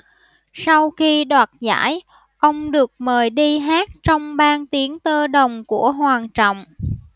sau khi đoạt giải ông được mời đi hát trong ban tiếng tơ đồng của hoàng trọng